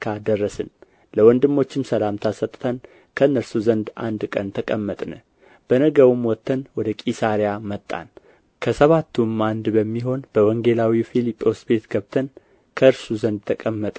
አካ ደረስን ለወንድሞችም ሰላምታ ሰጥተን ከእነርሱ ዘንድ አንድ ቀን ተቀመጥን በነገውም ወጥተን ወደ ቂሣርያ መጣን ከሰባቱም አንድ በሚሆን በወንጌላዊው ፊልጶስ ቤት ገብተን በእርሱ ዘንድ ተቀመጥን